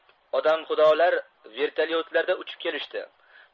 odamxudolar vertolyotlarda uchib kelishdi